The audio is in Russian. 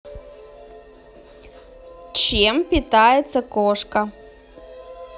чем питается кошка